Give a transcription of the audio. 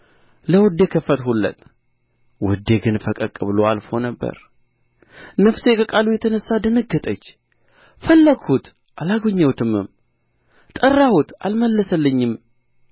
ለውዴ ከፈትሁለት ውዴ ግን ፈቀቅ ብሎ አልፎ ነበር ነፍሴ ከቃሉ የተነሣ ደነገጠች ፈለግሁት አላገኘሁትም ጠራሁት አልመለሰልኝም